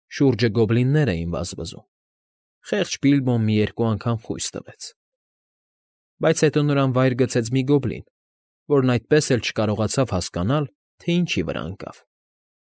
Շուրջը գոբլիններ էին վազվզում, խեղճ Բիլբոն մի երկու անգամ խույս տվեց, բայց հետո նրան վայր գցեց մի գոբլին, որն այդպես էլ չկարողացավ հասկանալ, թե ինչի վրա ընկավ։